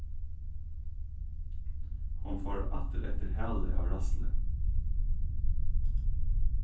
hon fór aftur eftir hæli av ræðslu